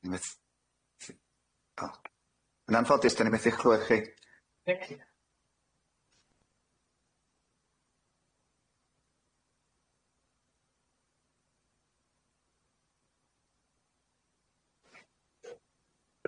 O! Yn anffodus, 'dan ni'n methu'ch clywad chi.